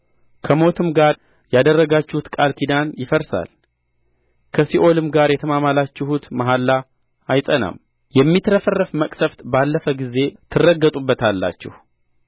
ከሞትም ጋር ያደረጋችሁት ቃል ኪዳን ይፈርሳል ከሲኦልም ጋር የተማማላችሁት መሐላ አይጸናም የሚትረፈረፍ መቅሠፍት ባለፈ ጊዜ ትረገጡበታላችሁ